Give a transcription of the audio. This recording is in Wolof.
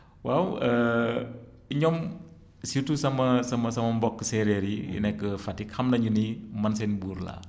waaw ñoom surtout sama sama sama mbokk séeréer yi yi nekk Fatick xam nañu ni man seen buur laa